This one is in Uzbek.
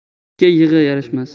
yigitga yig'i yarashmas